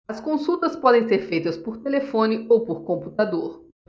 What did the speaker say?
as consultas podem ser feitas por telefone ou por computador